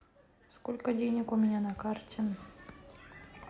сколько денег у меня на карте